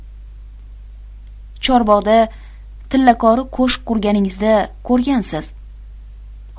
chorbog'da tillakori ko'shk qurganingizda ko'rgansiz